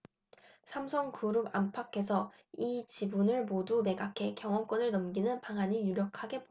삼성그룹 안팎에선 이 지분을 모두 매각해 경영권을 넘기는 방안이 유력하게 보고 있습니다